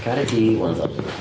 Caru T one thousand.